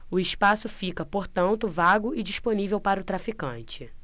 o espaço fica portanto vago e disponível para o traficante